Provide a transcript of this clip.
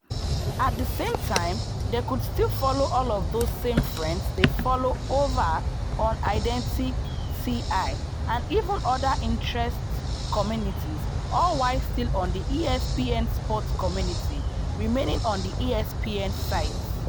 At the same time, they could still follow all of those same friends they follow over on Identi.ca and even other interest communities, all while still on the ESPN sports community, remaining on the ESPN site.